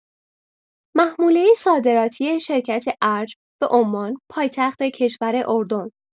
محموله صادراتی شرکت ارج به عمان پایتخت کشور اردن